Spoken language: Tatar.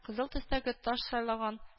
Кызыл төстәге таш сайлаган